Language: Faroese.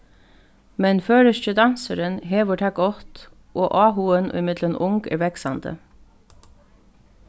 men føroyski dansurin hevur tað gott og áhugin ímillum ung er vaksandi